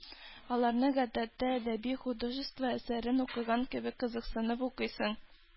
Аларны, гадәттә, әдәби-художество әсәрен укыган кебек кызыксынып укыйсың.